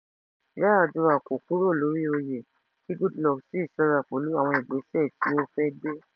Yar'adua kò kúrò lórí oyè kí Goodluck sì ṣọ́ra pẹ̀lú àwọn ìgbésẹ̀ tí ó fẹ́ gbé.